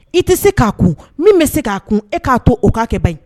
I tɛ se k'a kun min bɛ se k'a kun e k'a to o k'a kɛ ban ɲi